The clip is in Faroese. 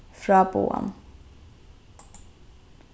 fráboðan